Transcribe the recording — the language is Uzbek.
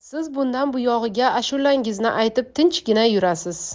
siz bundan buyog'iga ashulangizni aytib tinchgina yurasiz